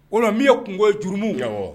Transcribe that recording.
O min ye kun ye juru minw kɛ wa